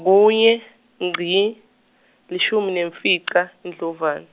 kunye, ngci, lishumi nemfica, iNdlovan-.